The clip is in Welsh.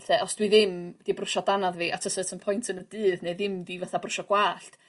lle os dwi ddim 'di brwsio danadd fi at a certain point yn y dydd ne' ddim 'di fetha brwsio gwallt